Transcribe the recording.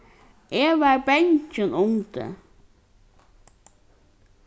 eg var bangin um teg